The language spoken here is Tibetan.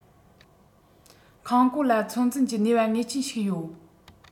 ཁང གོང ལ ཚོད འཛིན གྱི ནུས པ ངེས ཅན ཞིག ཡོད